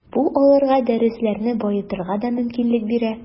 Бу аларга дәресләрне баетырга да мөмкинлек бирә.